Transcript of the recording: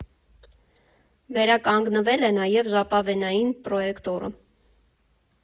Վերականգնվել է նաև ժապավենային պրոյեկտորը։